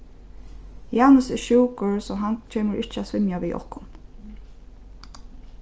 janus er sjúkur so hann kemur ikki at svimja við okkum